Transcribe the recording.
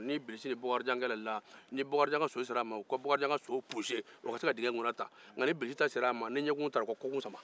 ni bakarijan ka so sera a ma u ka so puse nka ni bilissi ta sera a ma u ka kɔkun sama